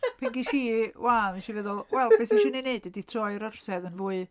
Pan ges i wadd, wnes i feddwl "Wel be sy isio i ni wneud ydi troi'r orsedd yn fwy...